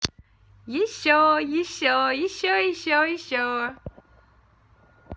еще еще еще еще еще